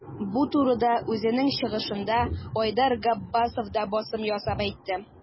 Бу турыда үзенең чыгышында Айдар Габбасов та басым ясап әйтте.